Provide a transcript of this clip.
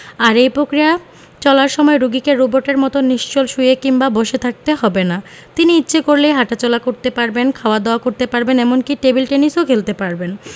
আর এই পক্রিয়া চলার সময় রোগীকে রোবটের মতো নিশ্চল শুয়ে কিংবা বসে থাকতে হবে না তিনি ইচ্ছে করলে হাটাচলা করতে পারবেন খাওয়া দাওয়া করতে পারবেন এমনকি টেবিল টেনিসও খেলতে পারবেন